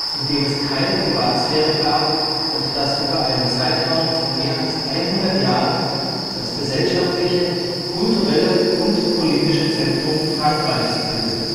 in dem es keine Privatsphäre gab und das über einen Zeitraum von mehr als 100 Jahren das gesellschaftliche, kulturelle und politische Zentrum Frankreichs bildete